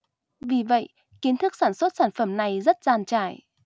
vì vậy kiến thức sản xuất sản phẩm này rất dàn trải